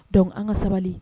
Donc an ŋa sabali